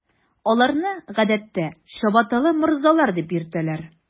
Аларны, гадәттә, “чабаталы морзалар” дип йөртәләр.